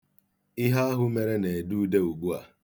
Ihe ahụ mere na-ede ude ugbua.